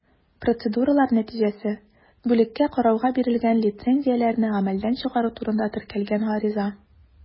Процедуралар нәтиҗәсе: бүлеккә карауга җибәрелгән лицензияләрне гамәлдән чыгару турында теркәлгән гариза.